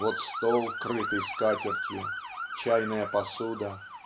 Вот стол, крытый скатертью, чайная посуда.